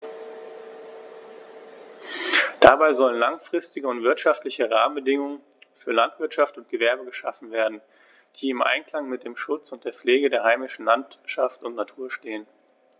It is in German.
Dabei sollen langfristige und wirtschaftliche Rahmenbedingungen für Landwirtschaft und Gewerbe geschaffen werden, die im Einklang mit dem Schutz und der Pflege der heimischen Landschaft und Natur stehen.